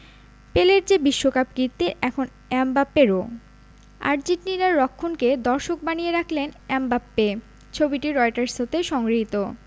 পেলের যে বিশ্বকাপ কীর্তি এখন এমবাপ্পেরও আর্জেন্টিনার রক্ষণকে দর্শক বানিয়ে রাখলেন এমবাপ্পে ছবিটি রয়টার্স হতে সংগৃহীত